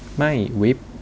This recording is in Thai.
ไม่วิป